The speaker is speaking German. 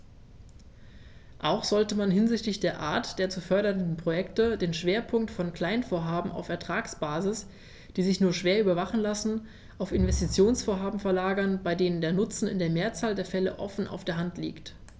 Auch sollte man hinsichtlich der Art der zu fördernden Projekte den Schwerpunkt von Kleinvorhaben auf Ertragsbasis, die sich nur schwer überwachen lassen, auf Investitionsvorhaben verlagern, bei denen der Nutzen in der Mehrzahl der Fälle offen auf der Hand liegt.